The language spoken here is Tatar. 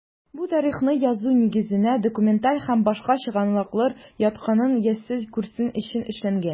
Бу тарихны язу нигезенә документаль һәм башка чыгынаклыр ятканын сез күрсен өчен эшләнгән.